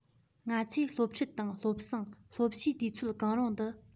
ང ཚོས སློབ ཁྲིད དང སློབ གསེང སློབ ཕྱིའི དུས ཚོད གང རུང དུ